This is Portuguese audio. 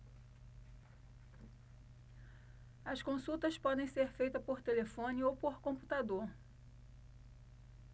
as consultas podem ser feitas por telefone ou por computador